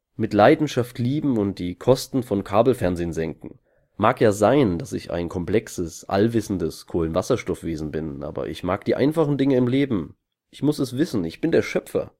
mit Leidenschaft lieben und die Kosten von Kabelfernsehen senken. Mag ja sein, dass ich ein komplexes, allwissendes Kohlenwasserstoffwesen bin, aber ich mag die einfachen Dinge im Leben. Ich muss es wissen, ich bin der Schöpfer